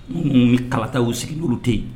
Mun ni kalata u sigi olu tɛ yen